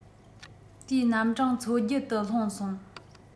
དེའི རྣམ གྲངས མཚོ རྒྱུད དུ ལྷུང སོང